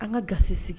An ka ga sigi